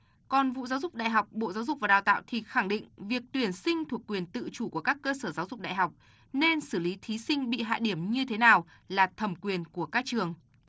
còn vụ giáo dục đại học bộ giáo dục và đào tạo thì khẳng định việc tuyển sinh thuộc quyền tự chủ của các cơ sở giáo dục đại học nên xử lý thí sinh bị hạ điểm như thế nào là thẩm quyền của các trường